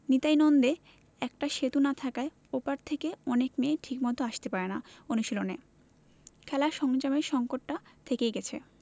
নিতাই ননদে একটা সেতু না থাকায় ও পার থেকে অনেক মেয়ে ঠিকমতো আসতে পারে না অনুশীলনে খেলার সরঞ্জামের সংকটটা থেকেই গেছে